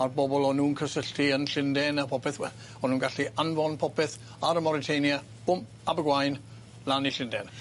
A'r bobol o'n nw'n cysylltu yn Llunden a popeth we- o'n nw'n gallu anfon popeth ar y Mauritania, bwmp, Abergwaun, lan i Llunden.